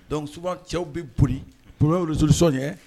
Doncsba cɛw bɛ boli kun zsɔn ye